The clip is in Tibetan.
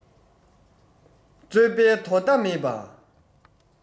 རྩོད པའི དོ ཟླ མེད པ